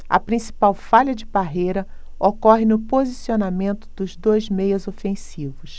a principal falha de parreira ocorre no posicionamento dos dois meias ofensivos